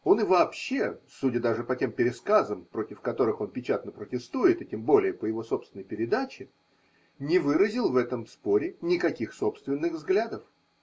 Он и вообще (судя даже по тем пересказам, против которых он печатно протестует, и тем более по его собственной передаче) не выразил в этом споре никаких собственных взглядов.